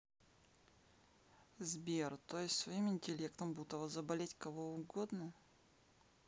сбер то есть своим интеллектом бутово заболеть кого угодно